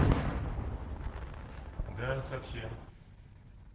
да совсем